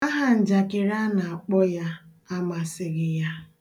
Ahanjakịrị a na akpọ ya amasịghị ya.